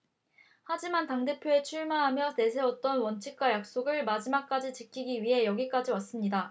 하지만 당 대표에 출마하며 내세웠던 원칙과 약속을 마지막까지 지키기 위해 여기까지 왔습니다